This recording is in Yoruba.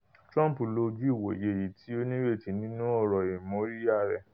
Trump lo ojú ìwòye èyití ó nírètí nínú ọ̀rọ̀ ìmóríyá rẹ̀.